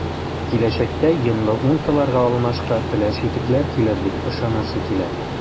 Киләчәктә “йонлы” унтыларга алмашка “пеләш” итекләр килер дип ышанасы килә.